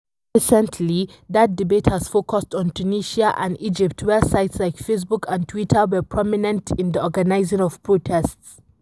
More recently, that debate has focused on Tunisia and Egypt, where sites like Facebook and Twitter were prominent in the organizing of protests.